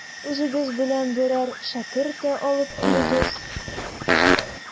Үзегез белән берәр шәкерт тә алып килегез.